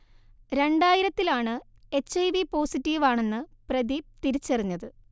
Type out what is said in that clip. രണ്ടായിരത്തിലാണ് H I V positive ആണെന്ന് പ്രദീപ് തിരിച്ചറിഞ്ഞത്